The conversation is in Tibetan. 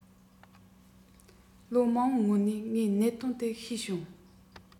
ལོ མང པོའི སྔོན ནས ངས གནད དོན དེ ཤེས བྱུང